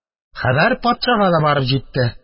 Хәбәр патшага да барып җитте.